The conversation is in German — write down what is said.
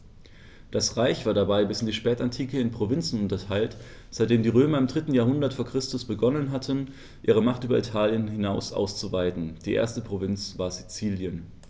Das Reich war dabei bis in die Spätantike in Provinzen unterteilt, seitdem die Römer im 3. Jahrhundert vor Christus begonnen hatten, ihre Macht über Italien hinaus auszuweiten (die erste Provinz war Sizilien).